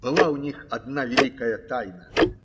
Была у них одна великая тайна